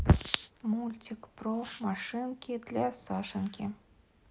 мультик про машинки для сашеньки